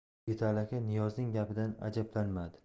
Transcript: yigitali aka niyozning gapidan ajablanmadi